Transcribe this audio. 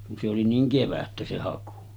kun se oli niin kevättä se haku